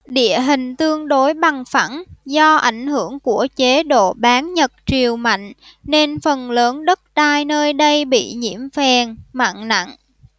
địa hình tương đối bằng phẳng do ảnh hưởng của chế độ bán nhật triều mạnh nên phần lớn đất đai nơi đây bị nhiễm phèn mặn nặng